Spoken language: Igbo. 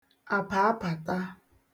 àpàapàta